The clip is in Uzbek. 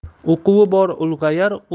o'quvi bor ulg'ayar